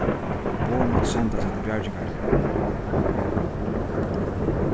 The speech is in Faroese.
boð máttu sendast eftir bjargingartyrluni